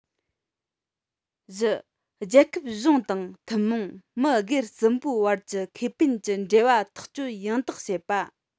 བཞི རྒྱལ ཁབ གཞུང དང ཐུན མོང མི སྒེར གསུམ པོའི བར གྱི ཁེ ཕན གྱི འབྲེལ བ ཐག གཅོད ཡང དག བྱེད པ